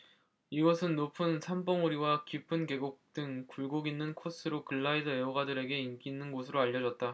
이곳은 높은 산봉우리와 깊은 계곡 등 굴곡 있는 코스로 글라이더 애호가들에게 인기 있는 곳으로 알려졌다